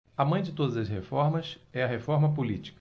a mãe de todas as reformas é a reforma política